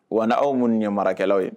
Wa ni aw minnu ɲɛ marakɛlaw ye